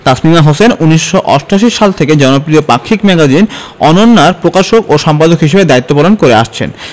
তাসমিমা হোসেন ১৯৮৮ সাল থেকে জনপ্রিয় পাক্ষিক ম্যাগাজিন অনন্যার প্রকাশক ও সম্পাদক হিসেবে দায়িত্ব পালন করে আসছেন